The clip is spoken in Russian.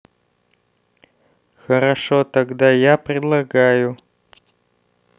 хорошо тогда я предлагаю